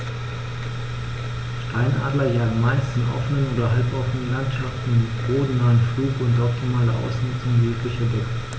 Steinadler jagen meist in offenen oder halboffenen Landschaften im bodennahen Flug unter optimaler Ausnutzung jeglicher Deckung.